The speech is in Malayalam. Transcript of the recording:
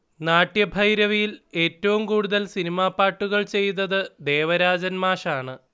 നാട്യഭൈരവിയിൽ ഏറ്റവും കൂടുതൽ സിനിമാ പാട്ടുകൾ ചെയ്തത് ദേവരാജൻ മാഷാണ്